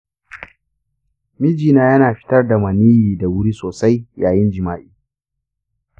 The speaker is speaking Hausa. mijina yana fitar da maniyyi da wuri sosai yayin jima’i.